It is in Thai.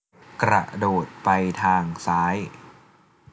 กระโดดไปทางซ้าย